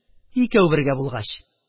Икәү бергә булгач?